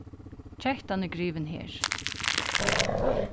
kettan er grivin her